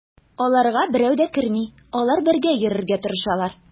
Аларга берәү дә керми, алар бергә йөрергә тырышалар.